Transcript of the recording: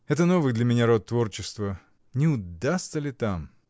Это новый для меня род творчества; не удастся ли там?